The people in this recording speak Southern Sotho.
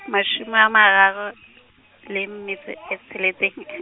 mashome a mararo, le metso e tsheletseng .